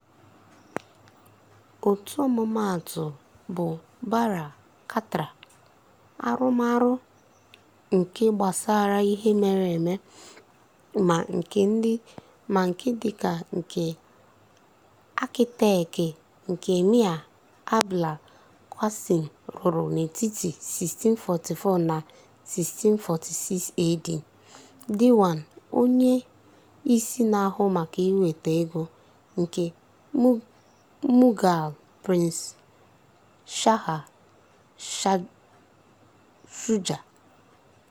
Otu ọmụmaatụ bụ Bara Katra, arụrụarụ nke gbasara ihe mere eme ma nke dị ka nke akịtekịtị nke Mir Abul Qasim rụrụ n'etiti 1644 na 1646 AD, Diwan (onye isi na-ahụ maka mweta ego) nke Mughal prince Shah Shuja.